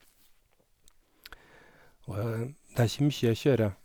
Og det er ikke mye jeg kjører.